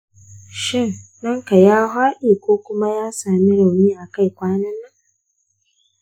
shin ɗanka ya faɗi ko kuma ya sami rauni a kai kwanan nan?